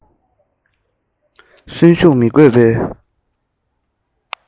དུས དེ བས མིན